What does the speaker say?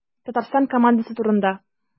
Татарстан командасы турында.